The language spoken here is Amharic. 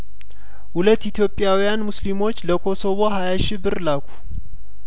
ሁለት ኢትዮጵያውያን ሙስሊሞች ለኮሶቮ ሀያሺ ብር ላኩ